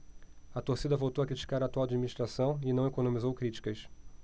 a torcida voltou a criticar a atual administração e não economizou críticas